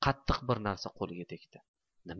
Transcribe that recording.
qattiq bir narsa qo'liga tegdi